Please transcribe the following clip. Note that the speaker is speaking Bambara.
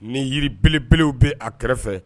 Ni yiri belebelew be a kɛrɛfɛ